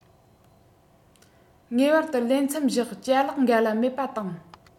ངེས པར དུ ལས མཚམས བཞག ཅ ལག འགའ ལ མེད པ བཏང